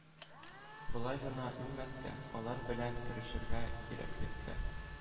Болай гына үлмәскә, алар белән көрәшергә кирәклеккә